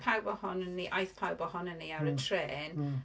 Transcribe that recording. Pawb ohonyn ni... Aeth pawb ohonon ni ar y trên.